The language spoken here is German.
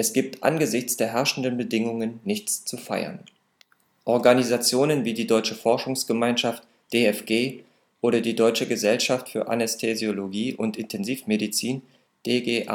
gibt angesichts der herrschenden Bedingungen nichts zu feiern. " Organisationen wie die Deutsche Forschungsgemeinschaft (DFG) oder die Deutsche Gesellschaft für Anästhesiologie und Intensivmedizin (DGAI